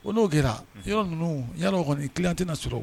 O n'o kɛrara yɔrɔ ninnu yɛrɛ kɔni ki tɛna s